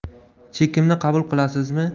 chekimni qabul qilasizmi